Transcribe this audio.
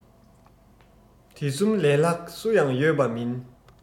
དེ གསུམ ལས ལྷག སུ ཡང ཡོད པ མིན